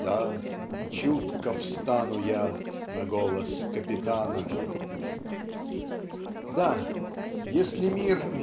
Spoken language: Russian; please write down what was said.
Да, чутко встану я на голос Капитана! Да, если мир